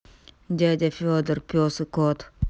дядя федор пес и кот